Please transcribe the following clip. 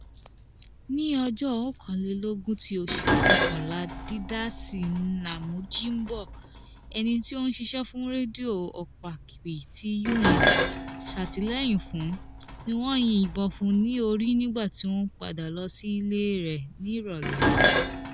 Ní ọjọ́ 21 ti oṣù Kọkànlá Didace Namujimbo, ẹni tí ó ṣiṣẹ́ fún Radio Okapi tí UN ṣàtìlẹ́yìn fún, ní wọ́n yin ìbọn fún ní orí nígbà tí ó ń padà lọ sí ilé rẹ̀ ní ìrọ̀lẹ́.